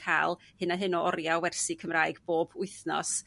ca'l hyn a hyn o oriau o wersi Cymraeg bob w'thnos